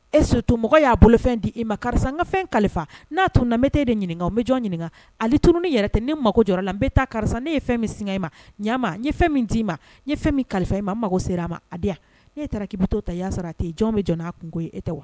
E sotumɔgɔ y'a bolo fɛn di'i ma karisa n ka fɛn kalifa n'a tun na bɛ tɛ e de ɲininka n bɛ jɔn ɲininka ale tunuruununi yɛrɛ tɛ ne mako jɔ la n bɛ taa karisa ne ye fɛn min s ma ɲa fɛn min d'i ma ye fɛn min kalifa e ma mako sera a ma nee taara k'i bɛ to ta i y'a sɔrɔ a tɛ jɔn bɛ jɔn aa kun ko e tɛ wa